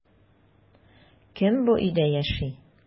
Кем бу өйдә яши?